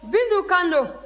bintu kan don